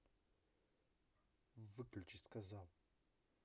выключись сказал